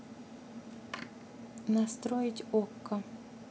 настроить окко